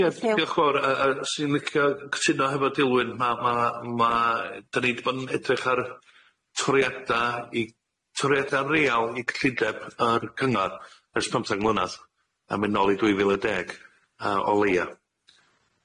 Ie diolch yn fawr yy yy swn i'n licio cytuno hefo Dilwyn, ma' ma' ma' yy 'dan ni 'di bod yn edrych ar twriadau i toriada real i cyllideb yr cyngor ers pymthag mlynadd, a mynd nôl i dwy fil a deg yy o leia.